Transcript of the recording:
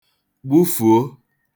gbufùo